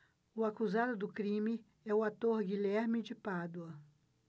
o acusado do crime é o ator guilherme de pádua